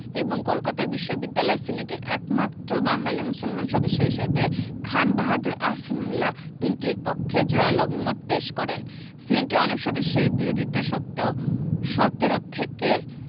এবং কলকাতা বিশ্ববিদ্যালয় সিনেটের একমাত্র বাঙালি মুসলমান সদস্য হিসেবে খান বাহাদুর আহসানউল্লাহ বিলটির পক্ষে জোরালো অভিমত পেশ করেন সিনেটের অনেক সদস্যের বিরোধিতা সত্ত্বেও ১৭ থেকে